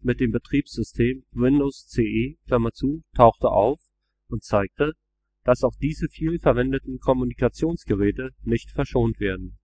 (mit dem Betriebssystem Windows CE) tauchte auf und zeigte, dass auch diese viel verwendeten Kommunikationsgeräte nicht verschont werden